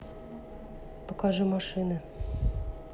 покажи машины